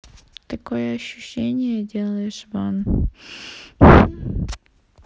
такое ощущение делаешь ван